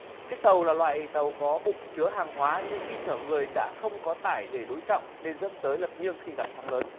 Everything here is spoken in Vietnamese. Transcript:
chiếc tàu là loại tàu có bụng chứa hàng hóa nhưng khi chở người đã không có tải để đối trọng nên dẫn tới lật nghiêng khi gặp sóng lớn